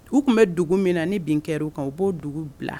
Dugu tun bɛ dugu min na ni bin kɛ u kan u b' dugu bila